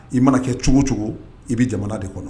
I mana kɛ cogo cogo i bɛ jamana de kɔnɔ